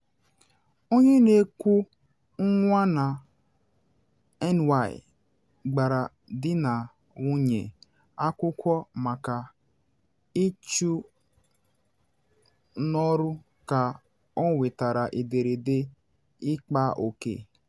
Onye na eku nwa na NY gbara di na nwunye akwụkwọ maka ịchụ n’ọrụ ka ọ nwetara ederede “ịkpa oke”